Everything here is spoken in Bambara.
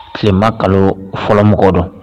Tileba kalo fɔlɔ don